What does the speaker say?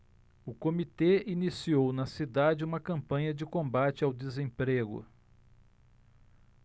o comitê iniciou na cidade uma campanha de combate ao desemprego